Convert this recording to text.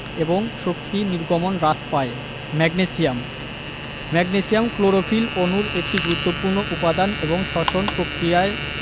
এবং শক্তি নির্গমন হ্রাস পায় ম্যাগনেসিয়াম ম্যাগনেসিয়াম ক্লোরোফিল অণুর একটি গুরুত্বপুর্ণ উপাদান এবং শ্বসন প্রক্রিয়ায়